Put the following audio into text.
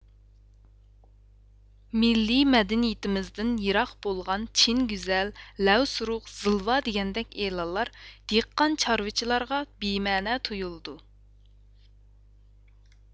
مىللىي مەدىنىيىتىمىزدىن يىراق بولغان چىن گۈزەل لەۋسۇرۇخ زىلۋا دېگەندەك ئېلانلار دېھقان چارۋىچىلارغا بىمەنە تۇيۇلىدۇ